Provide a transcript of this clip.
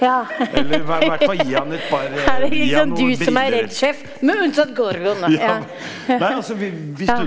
ja her er det liksom du som er redd sjef men unntatt Gorgon da ja ja ja.